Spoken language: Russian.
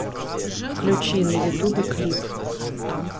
включи на ютубе клип